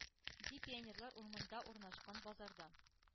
– ди пионерлар урмында урнашкан базарда